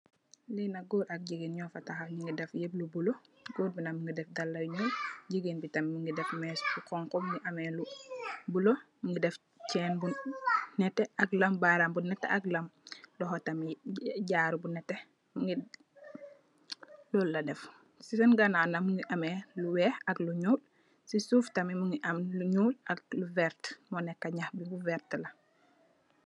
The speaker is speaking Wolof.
Li nak gòor ak jigeen nyo fa tahaw nungi deff yëp yu bulo. Gòor bi nak mungi def daala yu ñuul. Jigéen bi tamit mungi def mess bi honku, mungi ameh lu bulo, mungi deff chenn bu nètè ak lam baram bu nètè ak lam, loho tamit jaaro bu nètè lol la deff. Ci senn ganaaw nak mungi ameh lu weeh ak lu ñuul. Ci suuf tamit mungi am lu ñuul ak lu vert mo nekka nëh bi bu vert la.